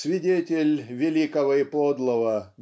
- Свидетель Великого и подлого